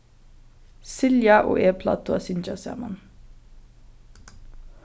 silja og eg plagdu at syngja saman